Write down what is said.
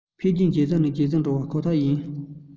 འཕེལ རྒྱས ཇེ བཟང ནས ཇེ བཟང འགྲོ བ ཁོ ཐག ཡིན